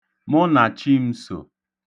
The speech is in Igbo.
Mụnàchim̄sò